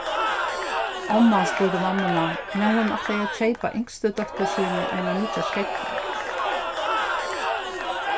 omman spurdi mammuna nær hon ætlaði at keypa yngstu dóttur síni einar nýggjar skógvar